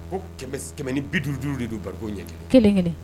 Ko kɛmɛ ni bi duuru duuru de don baro ɲɛ kelenkelen